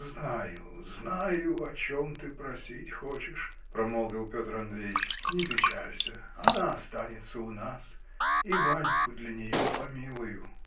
-- Знаю, знаю, о чем ты просить хочешь, -- промолвил Петр Андреич, -- не печалься: она останется у нас, и Ваньку для нее помилую.